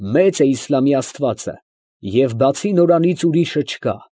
Մեծ է Իսլամի աստվածը և բացի նորանից ուրիշը չկա։